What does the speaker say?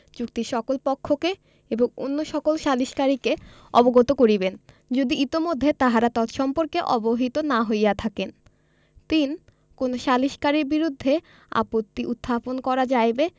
চুক্তির সকল পক্ষকে এবং অন্য সকল সালিসকারীকে অবগত করিবেন যদি ইতোমধ্যে তাহারা তৎসম্পর্কে অবহিত না হইয়া থাকেন ৩ কোন সালিসকারীর বিরুদ্ধে আপত্তি উত্থাপন করা যাইবে